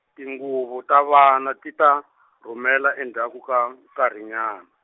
tinguvu ta vana ti ta , rhumela endzhaku ka nkarhinyana.